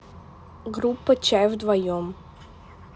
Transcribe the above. группа чай вдвоем